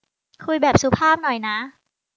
คุยแบบสุภาพหน่อยนะ